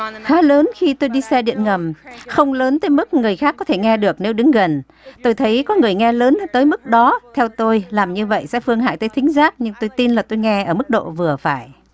khá lớn khi tôi đi xe điện ngầm không lớn tới mức người khác có thể nghe được nếu đứng gần tôi thấy có người nghe lớn tới mức đó theo tôi làm như vậy sẽ phương hại tới thính giác nhưng tôi tin là tôi nghe ở mức độ vừa phải